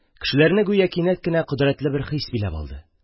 Кешеләрне гүя кинәт кенә кодрәтле бер хис биләп алды.